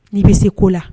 N'i bɛ se ko la